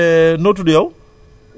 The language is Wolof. diakhaté noo tudd yow